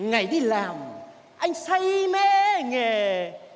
ngày đi làm anh say mê nghề